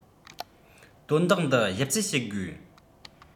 དོན དག འདི ཞིབ རྩད བྱེད དགོས